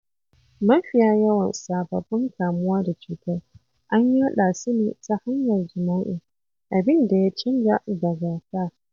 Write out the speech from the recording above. Mafiya yawan sababbin kamuwa da cutar an yaɗa su ne ta hanyar jima'i, abin da ya canja daga da.